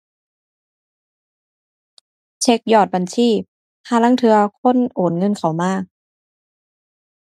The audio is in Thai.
เช็กยอดบัญชี ห่าลางเทื่อคนโอนเงินเข้ามา